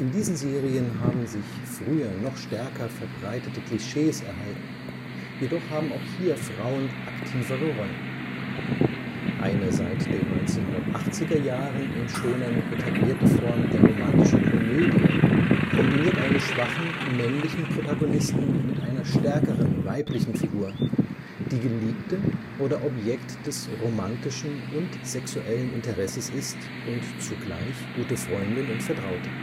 diesen Serien haben sich früher noch stärker verbreitete Klischees erhalten, jedoch haben auch hier Frauen aktivere Rollen. Eine seit den 1980er Jahren im Shōnen etablierte Form der romantischen Komödie kombiniert einen schwachen männlichen Protagonisten mit einer stärkeren weiblichen Figur, die Geliebte oder Objekt des romantischen und sexuellen Interesses ist und zugleich gute Freundin und Vertraute